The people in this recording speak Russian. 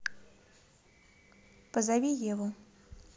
позови еву